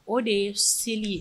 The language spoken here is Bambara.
O de ye seli ye